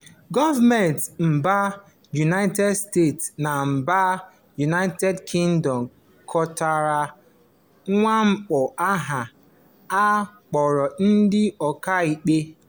Gọọmentị mba United States na mba United Kingdom katọkwara mwakpo ahụ a wakporo ndị ọkaikpe.